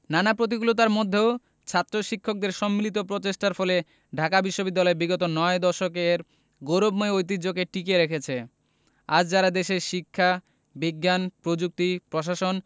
নানা প্রতিকূলতার মধ্যেও ছাত্র শিক্ষকদের সম্মিলিত প্রচেষ্টার ফলে ঢাকা বিশ্ববিদ্যালয় বিগত নয় দশকে এর গৌরবময় ঐতিহ্যকে টিকিয়ে রেখেছে আজ যাঁরা দেশের শিক্ষা বিজ্ঞান প্রযুক্তি প্রশাসন